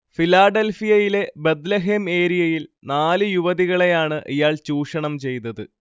ഫിലാഡൽഫിയയിലെ Bethlehem ഏരിയയിൽ നാലു യുവതികളെയാണ് ഇയാൾ ചൂഷണം ചെയ്തത്